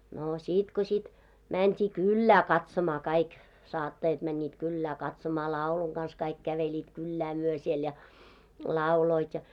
no sitten kun sitten mentiin kylään katsomaan kaikki saattajat menivät kylään katsomaan laulun kanssa kaikki kävelivät kyllä me siellä ja lauloivat ja